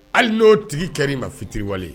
Hali n'o tigi kɛra i ma fitiriwale